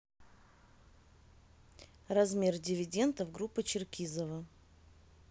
размер дивидендов группы черкизово